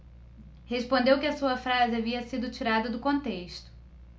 respondeu que a sua frase havia sido tirada do contexto